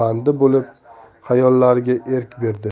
bandi bo'lib xayollariga erk berdi